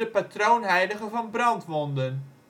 patroonheilige van brandwonden